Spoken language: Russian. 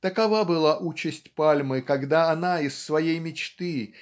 Такова была участь пальмы когда она из своей мечты